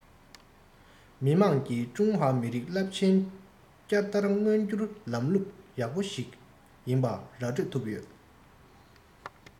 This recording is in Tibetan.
མི དམངས ཀྱིས ཀྲུང ཧྭ མི རིགས རླབས ཆེན བསྐྱར དར མངོན འགྱུར ལམ ལུགས ཡག པོ ཞིག ཡིན པ ར སྤྲོད ཐུབ ཡོད